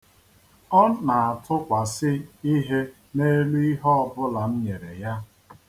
Ọ na-atụkwasị ihe n'elu ihe ọbụla m nyere ya.